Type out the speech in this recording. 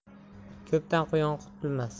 ko'pdan quyon qutulmas